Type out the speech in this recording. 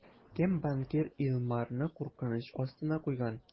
Кем банкир Илмарны куркыныч астына куйган?